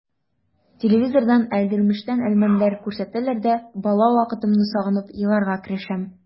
Телевизордан «Әлдермештән Әлмәндәр» күрсәтсәләр дә бала вакытымны сагынып еларга керешәм.